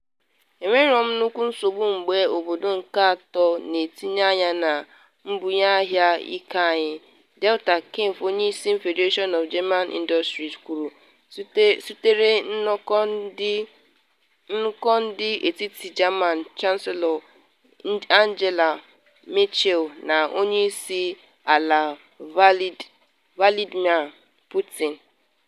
“Enwere m nnukwu nsogbu mgbe obodo nke atọ n’etinye anya na mbunye ahịa ike anyị,” Dieter Kempf onye isi Federation of German Industries (BDI) kwuru, sotere nnọkọ dị n’etiti German Chancellor Angela Merkel na Onye Isi Ala Vladmir Putin.